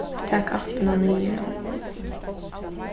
tak appina niður